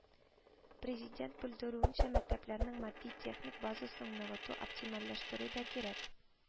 Президент бедерүенчә, мәктәпләрнең матди-техник базасын ныгыту, оптимальләштерү дә кирәк